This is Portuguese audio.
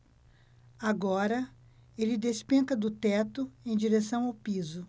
agora ele despenca do teto em direção ao piso